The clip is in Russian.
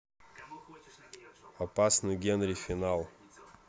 опасный генри финал